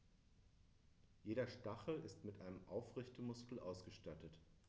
Jeder Stachel ist mit einem Aufrichtemuskel ausgestattet.